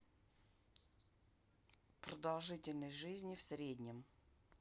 продолжительность жизни в среднем